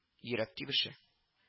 Йөрәк тибеше. —